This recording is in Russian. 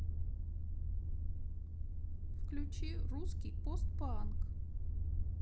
включи русский пост панк